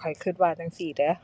ข้อยก็ว่าจั่งซี้เด้อ